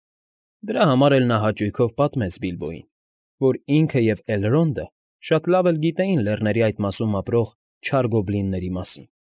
Դրա համար էլ նա հաճույքով պատմեց Բիլբոյին, որ ինքը և Էլրոնդը շատ լավ էլ գիտեին լեռների այդ մասում ապրող չար գոբլինների մասին։